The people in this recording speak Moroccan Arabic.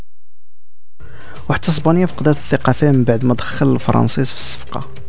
اغتصبني فقدت الثقه فين بعد ما ادخل الفرنسي في الصفه